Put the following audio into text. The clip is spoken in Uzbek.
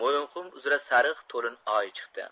mo'yinqum uzra sariq to'lin oy chiqdi